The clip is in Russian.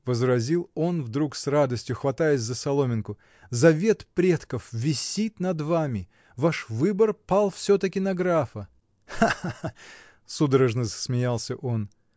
— возразил он вдруг с радостью, хватаясь за соломинку, — завет предков висит над вами: ваш выбор пал все-таки на графа! Ха-ха-ха! — судорожно засмеялся он.